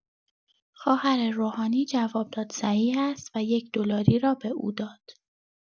خواهر روحانی جواب داد صحیح است و یک‌دلاری را به او داد.